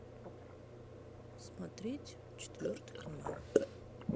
смотреть четвертый канал